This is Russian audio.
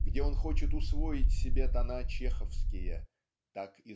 где он хочет усвоить себе тона чеховские так